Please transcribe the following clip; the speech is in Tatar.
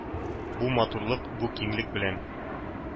Бу матурлык, бу киңлек белән